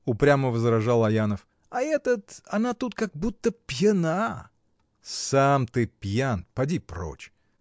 — упрямо возражал Аянов, — а этот. она тут как будто пьяна. — Сам ты пьян! Поди прочь!